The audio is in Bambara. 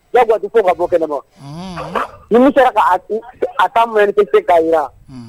Diyagoya , a tɛ se ka bɔ kɛnɛma, unhunn,. ni min sera k'a ta manifester k'a jira.